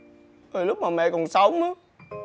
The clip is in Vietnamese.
từ lúc mà mẹ còn sống á